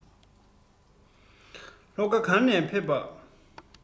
ལྷོ ཁ ག ནས ཕེབས པྰ